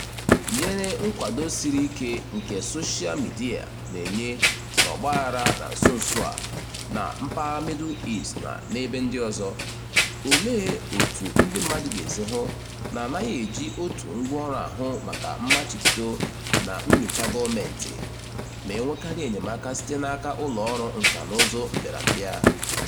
Nyere nkwado siri ike nke soshal midịa na-enye n'ọgbaghara na nso nso a na mpaghara Middle East na n'ebe ndị ọzọ, olee otú ndị mmadụ ga-esi hụ na anaghị eji otu ngwáọrụ ahụ maka mmachibido na nnyocha gọọmentị (ma enwekarị enyemaka site n'aka ụlọọrụ nkànaụzụ Mbịarambịa)?